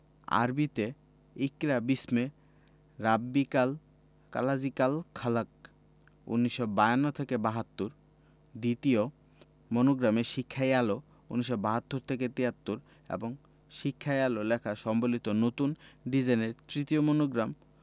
আরবিতে ইকরা বিস্মে রাবিবকাল লাজি খালাক্ক ১৯৫২ ৭২ দ্বিতীয় মনোগ্রামে শিক্ষাই আলো ১৯৭২ ৭৩ এবং শিক্ষাই আলো লেখা সম্বলিত নতুন ডিজাইনের তৃতীয় মনোগ্রাম